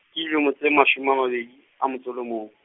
ke dilemo tse mashome a mabedi, a motso le mong.